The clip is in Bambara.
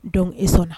Don e sɔnna